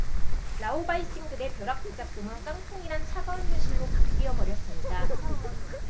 라오바이싱들의 벼락 부자 꿈은 깡통이란 차가운 현실로 바뀌어 버렸습니다